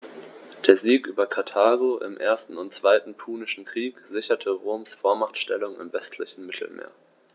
Der Sieg über Karthago im 1. und 2. Punischen Krieg sicherte Roms Vormachtstellung im westlichen Mittelmeer.